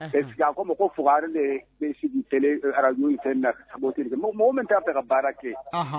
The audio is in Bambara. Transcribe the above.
Anhan est ce que a k'o ma ko fugari lee be sigi télé e radio nin fɛn nak ka monter li kɛ mɔgɔ mɔgɔ min t'a fɛ ka baara kɛ ɔnhɔn